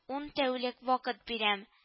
Ун тәүлек вакыт бирәм